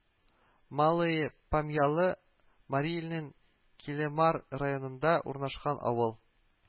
Малые Памъялы Мари Илнең Килемар районында урнашкан авыл